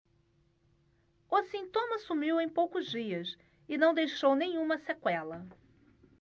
o sintoma sumiu em poucos dias e não deixou nenhuma sequela